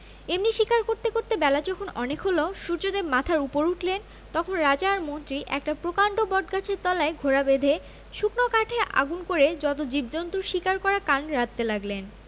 এমনি শিকার করতে করতে বেলা যখন অনেক হল সূর্যদেব মাথার উপর উঠলেন তখন রাজা আর মন্ত্রী একটা প্রকাণ্ড বটগাছের তলায় ঘোড়া বেঁধে শুকনো কাঠে আগুন করে যত জীবজন্তুর শিকার করা কান রাঁধতে লাগলেন